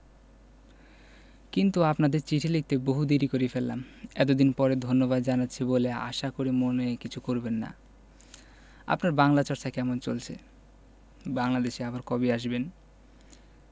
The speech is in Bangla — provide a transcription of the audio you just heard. কিন্তু আপনাদের চিঠি লিখতে বহু দেরী করে ফেললাম এতদিন পরে ধন্যবাদ জানাচ্ছি বলে আশা করি মনে কিছু করবেন না আপনার বাংলা চর্চা কেমন চলছে বাংলাদেশে আবার কবে আসবেন